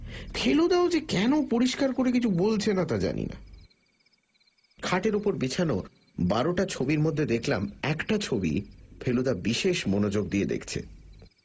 ফেলুদাও যে কেন পরিষ্কার করে কিছু বলছে না তা জানি না খাটের উপর বিছানো বারোটা ছবির মধ্যে দেখলাম একটা ছবি ফেলুদা বিশেষ মনোযোগ দিয়ে দেখছে